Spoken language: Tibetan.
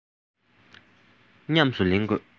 ཉམས སུ ལེན དགོས